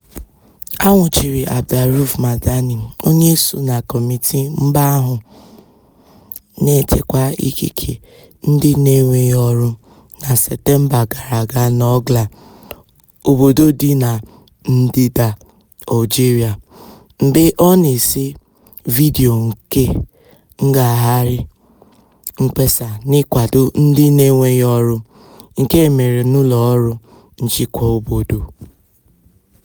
A nwụchiri Abderaouf Madani, onye so na kọmitii mba ahụ na-echekwa ikike ndị na-enweghị ọrụ, na Septemba gara aga n'Ouargla, obodo dị na ndịda Algeria, mgbe ọ na-ese vidiyo nke ngagharị mkpesa n'ịkwado ndị na-enweghị ọrụ nke e mere n'ụlọọrụ nchịkwa obodo.